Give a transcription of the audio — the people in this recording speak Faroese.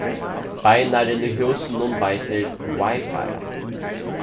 beinarin í húsinum veitir wifi